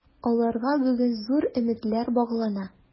Аларга бүген зур өметләр баглана.